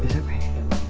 hẹn